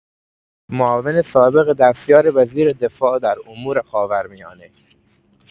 معاون سابق دستیار وزیر دفاع در امور خاورمیانه